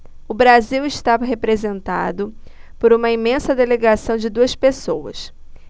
o brasil está representado por uma imensa delegação de duas pessoas